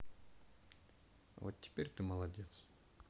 вот теперь ты молодец